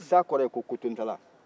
sa kɔrɔ ye ko kotontala